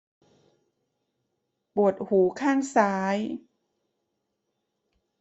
ปวดหูข้างซ้าย